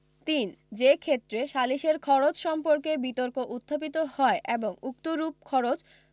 ৩ যে ক্ষেত্রে সালিসের খরচ সম্পর্কে বিতর্ক উত্থাপিত হয় এবং উক্তরূপ খরচ